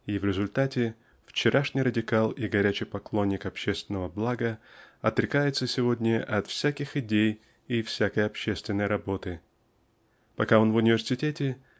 И в результате вчерашний радикал и горячий поклонник общественного блага отрекается сегодня от всяких идей и всякой общественной работы. Пока он в университете